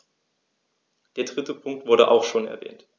Der dritte Punkt wurde auch schon erwähnt.